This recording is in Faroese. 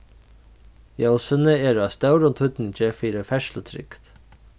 ljósini eru av stórum týdningi fyri ferðslutrygd